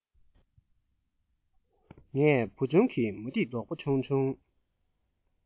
ངས བུ ཆུང གི མུ ཏིག རྡོག པོ ཆུང ཆུང